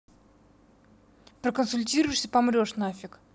проконсультируешься помрешь на фиг